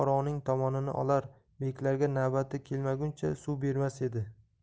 olar beklarga navbati kelmaguncha suv bermas edi